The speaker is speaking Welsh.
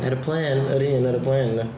Aeroplane yr un aeroplane ydy o.